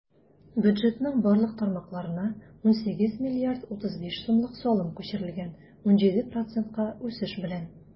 Бюджетның барлык тармакларына 18,35 млрд сумлык салым күчерелгән - 17 процентка үсеш белән.